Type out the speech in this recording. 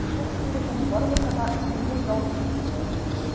Чын күңелемнән барыгызга да күңелле ял телим!